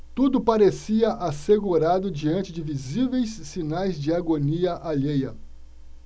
tudo parecia assegurado diante de visíveis sinais de agonia alheia